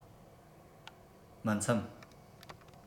མི འཚམས